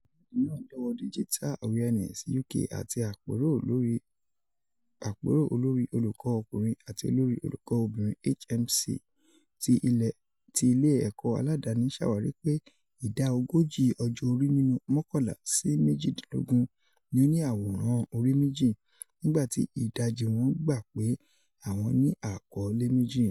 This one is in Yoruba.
Iwaadi naa, lọwọ Digital Awareness UK ati Apero Olori olukọ ọkunrin” ati Olori olukọ obinrin” (HMC) ti ile ẹkọ aladani, ṣawari pe ida 40 ọjọ ori nínú 11 si 18 ni o ni aworan ori meji, nigba ti idaji wọn gba pe awọn ni akọọlẹ meji.